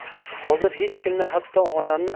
hozir hech kimni hatto onamni